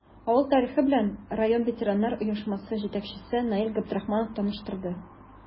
Авыл тарихы белән район ветераннар оешмасы җитәкчесе Наил Габдрахманов таныштырды.